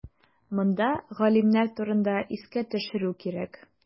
Монда галимнәр турында искә төшерү кирәк.